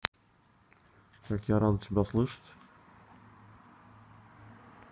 как я рада тебя слышать